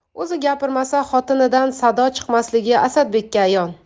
o'zi gapirmasa xotinidan sado chiqmasligi asadbekka ayon